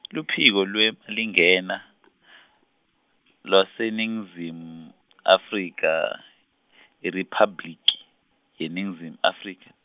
Luphiko lweMalingena , lwaseNingizim- Afrika, IRiphabliki, yeNingizimu Afrika.